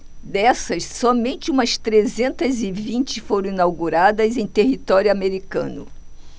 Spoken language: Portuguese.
dessas somente umas trezentas e vinte foram inauguradas em território americano